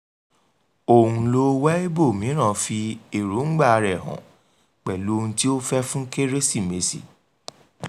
Òǹlo Weibo mìíràn fi èròǹgbàa rẹ̀ hàn pẹ̀lú ohun tí ó fẹ́ fún Kérésìmesì: